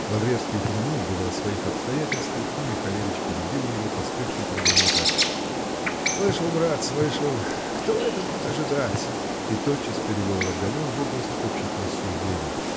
Лаврецкий упомянул было о своих обстоятельствах, но Михалевич перебил его, поспешно пробормотав: "Слышал, брат, слышал, -- кто это мог ожидать?" -- и тотчас перевел разговор в область общих рассуждений.